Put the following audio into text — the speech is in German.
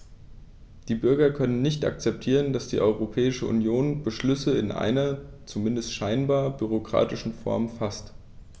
Die Bürger können nicht akzeptieren, dass die Europäische Union Beschlüsse in einer, zumindest scheinbar, bürokratischen Form faßt.